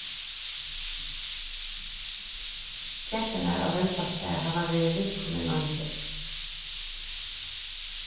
genturnar á velbastað hava verið vinkonur leingi